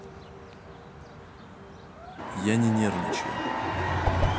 я не нервничаю